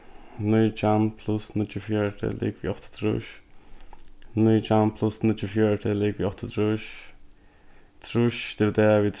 nítjan pluss níggjuogfjøruti ligvið áttaogtrýss nítjan pluss níggjuogfjøruti ligvið áttaogtrýss trýss dividerað við